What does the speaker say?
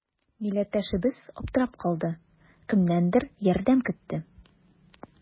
Милләттәшебез аптырап калды, кемнәндер ярдәм көтте.